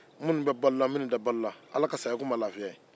minnu bɛ balo la minnu tɛ balo la ala ka saya kɛ u ma lafiya